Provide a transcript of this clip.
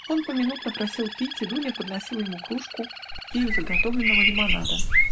Он поминутно просил пить, и Дуня подносила ему кружку ею заготовленного лимонада.